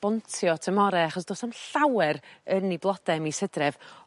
bontio tymhore achos do's 'na'm llawer yn 'u blode mis Hydref